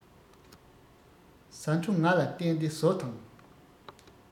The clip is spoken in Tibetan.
ཟ འཕྲོ ང ལ བསྟན ཏེ ཟོ དང